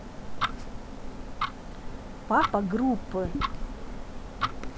папа группы